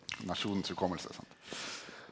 nasjonens hukommelse sant.